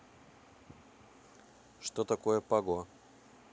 что такое паго